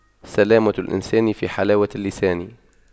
سلامة الإنسان في حلاوة اللسان